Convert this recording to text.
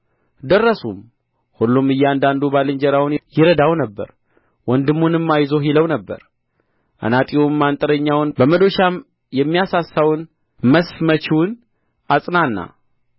ደረሱም ሁሉም እያንዳንዱ ባልንጀራውን ይረዳው ነበር ወንድሙንም አይዞህ ይለው ነበር አናጢውም አንጥረኛውን በመዶሻም የሚያሳሳውን መስፍ መችውን አጽናና